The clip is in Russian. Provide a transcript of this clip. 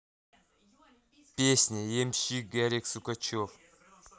песня ямщик гарик сукачев